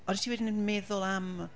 odi ti wedyn yn meddwl am...